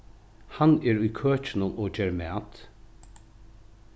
hann er í køkinum og ger mat